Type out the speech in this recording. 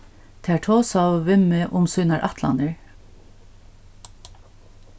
tær tosaðu við meg um sínar ætlanir